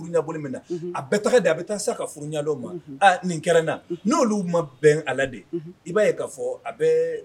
Nin kɛra n' ma bɛn ala i'a ye fɔ